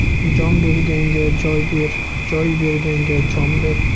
jon berganga joy ber joy beiganga jon ber